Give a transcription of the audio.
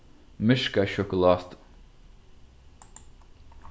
myrka sjokulátu